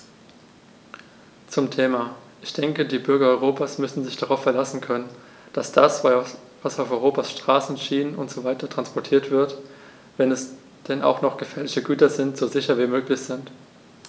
Zum Thema: Ich denke, die Bürger Europas müssen sich darauf verlassen können, dass das, was auf Europas Straßen, Schienen usw. transportiert wird, wenn es denn auch noch gefährliche Güter sind, so sicher wie möglich ist.